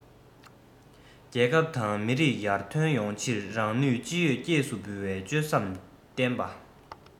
རྒྱལ ཁབ དང མི རིགས ཡར ཐོན ཡོང ཕྱིར རང ནུས ཅི ཡོད སྐྱེས སུ འབུལ བའི ཆོད སེམས བརྟན པ